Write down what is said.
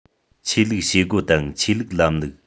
ཆོས ལུགས བྱེད སྒོ དང ཆོས ལུགས ལམ ལུགས